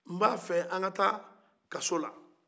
n bɛ a fɛ an ka taa kasola